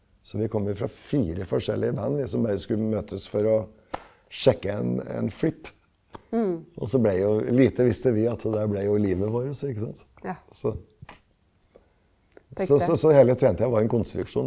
så vi kom jo fra fire forskjellige band vi som bare skulle møtes for å sjekke en en flipp også blei jo lite visste vi at det blei jo livet vårt ikke sant, så så så så hele TNT var en konstruksjon.